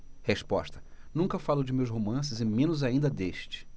resposta nunca falo de meus romances e menos ainda deste